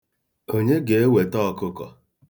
Onye ga-eweta ọkụkọ?